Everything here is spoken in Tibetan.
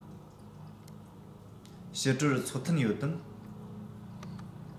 ཕྱི དྲོར ཚོགས ཐུན ཡོད དམ